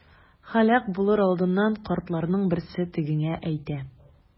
Һәлак булыр алдыннан картларның берсе тегеңә әйтә.